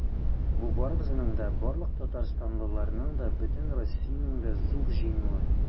Бу барыбызның да, барлык татарстанлыларның да, бөтен Россиянең дә зур җиңүе.